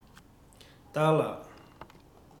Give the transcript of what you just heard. བདག ལ